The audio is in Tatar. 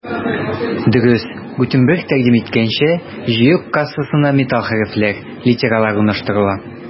Дөрес, Гутенберг тәкъдим иткәнчә, җыю кассасына металл хәрефләр — литералар урнаштырыла.